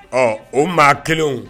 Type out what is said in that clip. Ɔ o maa kelen